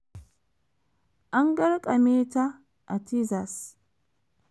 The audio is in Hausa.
An garkame ta a Texas.